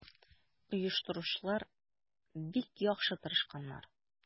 Оештыручылар бик яхшы тырышканнар.